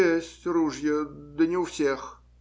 - Есть ружья, да не у всех.